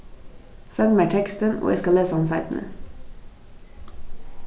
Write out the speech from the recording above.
send mær tekstin og eg skal lesa hann seinni